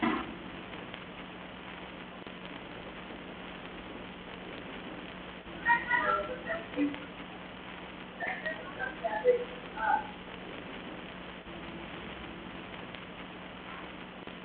Meeshan waa meel bannaan ah waxaana yaalo miis ugu dhex jiro rooti ka dambeeyo waxaana lagu gadaa sheexa a waxaana fadhiya nin